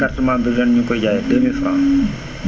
carte membre bi ren ñu ngi koy jaayee 2000F